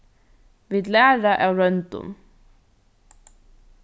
vit læra av royndum